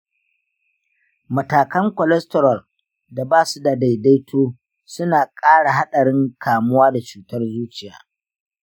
matakan cholesterol da basu da daidaito suna ƙara haɗarin kamuwa da cutar zuciya.